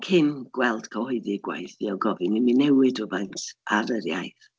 Cyn gweld cyhoeddi y gwaith, fuodd gofyn i mi newid rywfaint ar yr iaith.